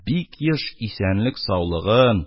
Бик еш исәнлек-саулыгын,